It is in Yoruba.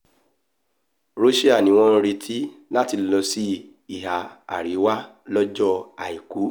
Rosa ni wọ́n ń retí láti lọsí ìhà àríwá lọjọ́ Àìkú.